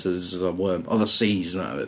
So oedd o jyst fatha worm. Oedd o seis yna 'fyd.